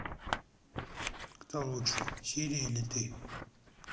кто лучше сири или ты